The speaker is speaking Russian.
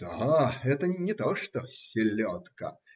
"Да, это не то, что - селедка.